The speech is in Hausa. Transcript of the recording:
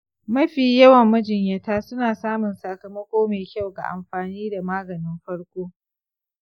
mafi yawan majinyata su na samun sakamako mai kyau ga amfani da maganin farko.